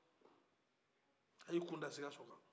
a ye a kun da sikaso kan